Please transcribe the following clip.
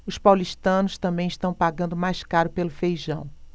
os paulistanos também estão pagando mais caro pelo feijão